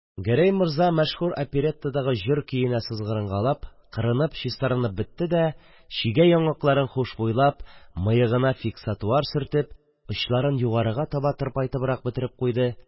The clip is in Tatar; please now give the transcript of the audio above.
Гәрәй морза, мәшһүр опереттадагы җыр көенә сызгырынгалап, кырынып, чистарынып бетте дә, чигә-яңакларын хушбуйлап, мыегына фиксатуар сөртеп, очларын югарыга таба тырпайтыбрак бөтереп куйды;